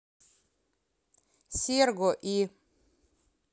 серго и